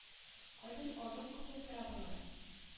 Кайдан алдың күпме тора болар